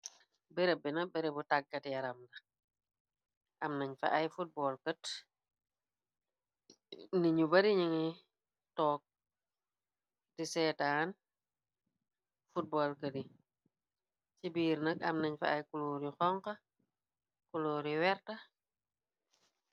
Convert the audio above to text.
Bereb bina berebu tàggat yaram da am nañ fa ay football kët ninu bari ñingi toog di seetaan footbal kët yi ci biir nak am nañ fa ay kuluor yu xonx kuluor yi werta.